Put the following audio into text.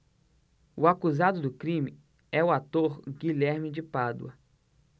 o acusado do crime é o ator guilherme de pádua